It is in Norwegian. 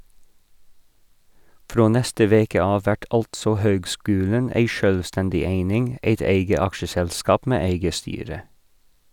Frå neste veke av vert altså høgskulen ei sjølvstendig eining, eit eige aksjeselskap med eige styre.